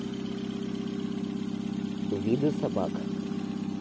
виды собак